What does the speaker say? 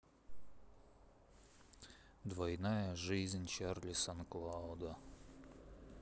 двойная жизнь чарли санклауда